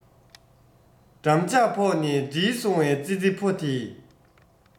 འགྲམ ལྕག ཕོག ནས འགྲིལ སོང བའི ཙི ཙི ཕོ དེས